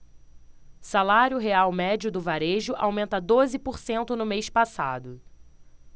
salário real médio do varejo aumenta doze por cento no mês passado